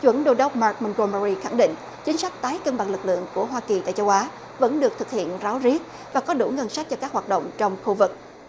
chuẩn đô đốc mác mon gô me ry khẳng định chính sách tái cân bằng lực lượng của hoa kỳ tại châu á vẫn được thực hiện ráo riết và có đủ ngân sách cho các hoạt động trong khu vực